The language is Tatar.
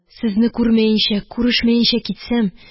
Сезне күрмәенчә, күрешмәенчә китсәм